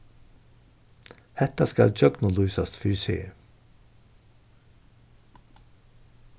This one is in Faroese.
hetta skal gjøgnumlýsast fyri seg